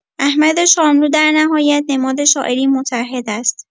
احمد شاملو در نهایت نماد شاعری متعهد است؛